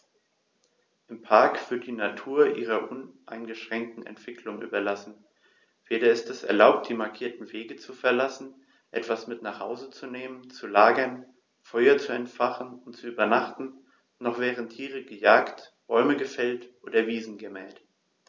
Im Park wird die Natur ihrer uneingeschränkten Entwicklung überlassen; weder ist es erlaubt, die markierten Wege zu verlassen, etwas mit nach Hause zu nehmen, zu lagern, Feuer zu entfachen und zu übernachten, noch werden Tiere gejagt, Bäume gefällt oder Wiesen gemäht.